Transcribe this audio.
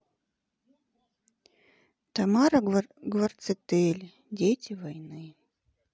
тамара гварцетели дети войны